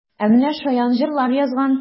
Ә менә шаян җырлар язган!